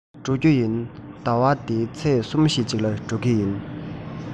ད དུང སོང མེད ཟླ བ འདིའི ཚེས གསུམ བཞིའི གཅིག ལ འགྲོ གི ཡིན